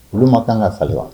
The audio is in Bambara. Olu ma kan ka kali wa